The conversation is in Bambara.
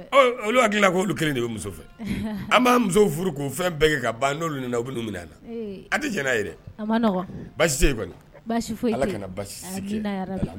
Olu hakili'olu kelen de bɛ muso fɛ an b'a muso furu' fɛn bɛɛ kɛ ka ban n' na aw bɛ minɛ na a tɛ j ye basi ala basi